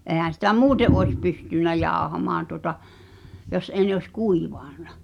eihän sitä muuten olisi pystynyt jauhamaan tuota jos ei ne olisi kuivanut